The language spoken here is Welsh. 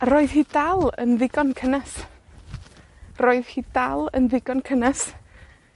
A roedd hi dal yn ddigon cynnes. Roedd hi dal yn ddigon cynnes.